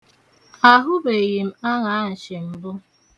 Ahụbeghị m aṅaashị mbụ.